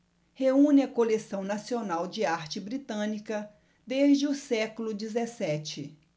reúne a coleção nacional de arte britânica desde o século dezessete